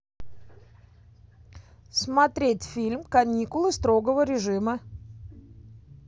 смотреть фильм каникулы строгого режима